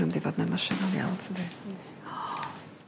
Ma' mynd i fod yn emosiynol iawn tydi? Hmm.